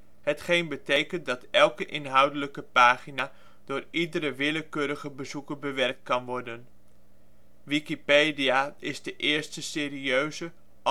hetgeen betekent dat elke inhoudelijke pagina door iedere willekeurige bezoeker bewerkt kan worden. Wikipedia is de eerste serieuze, algemene